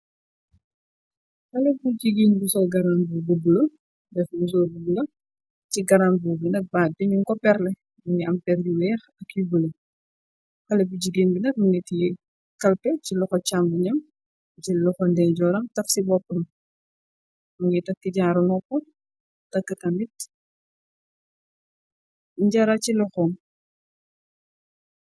Xale bu jigiin bu sol gara mbubu bu bula, def musoor bu bula. Ci garan mbubu bi nag baad bi nyuko perle. mungi am per yu weex ak yu bula . Xalé bu jigéen bi nag, mungi tihe kalpe ci loxo chàmonge nyam, jël loxo ndeyjooram taf ci boppam. Mungi takk jaaru noppo, takk tamit njara ci loxom.